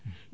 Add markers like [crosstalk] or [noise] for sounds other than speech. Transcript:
[hesitation] [hesitation]